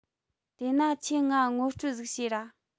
དེས ན ཁྱོས ངའ ངོ སྤྲོད ཟིག བྱོས ར